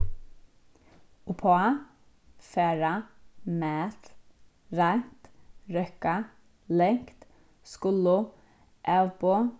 uppá fara math reint røkka langt skulu avboð